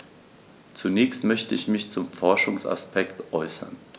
Zunächst möchte ich mich zum Forschungsaspekt äußern.